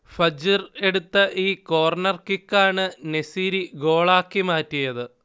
Fajr എടുത്ത ഈ corner കിക്കാണ് നെസിരി ഗോളാക്കി മാറ്റിയത്